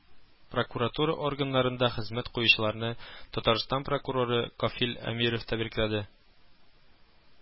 Прокуратура органнарында хезмәт куючыларны Татарстан прокуроры Кафил Әмиров тәбрикләде